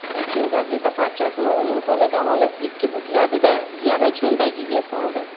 elchin gazeta parchasini uning qo'lidan olib ikki bukladi da yana cho'ntagiga soldi